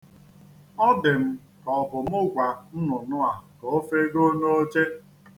Ọ dị m ka ọ bụ mụ gwa nnụnụ a ka o fegoo n'oche.